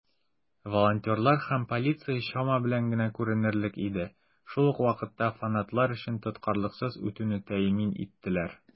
Волонтерлар һәм полиция чама белән генә күренерлек иде, шул ук вакытта фанатлар өчен тоткарлыксыз үтүне тәэмин иттеләр.